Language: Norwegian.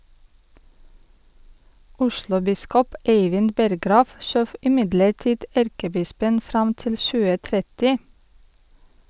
Oslobiskop Eivind Berggrav skjøv imidlertid erkebispen fram til 2030.